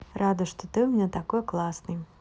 рада что ты у меня такой классный